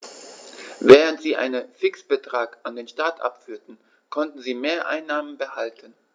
Während sie einen Fixbetrag an den Staat abführten, konnten sie Mehreinnahmen behalten.